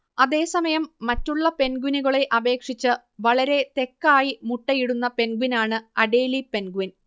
അതേസമയം മറ്റുള്ള പെൻഗ്വിനുകളെ അപേക്ഷിച്ച് വളരെ തെക്കായി മുട്ടയിടുന്ന പെൻഗ്വിനാണ് അഡേലി പെൻഗ്വിൻ